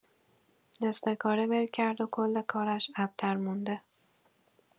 نصفه‌کاره ول کرد و کل کارش ابتر مونده.